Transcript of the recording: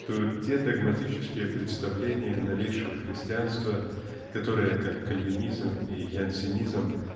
что те догматические представления новейшего христианства которые как кальвинизм и янсенизм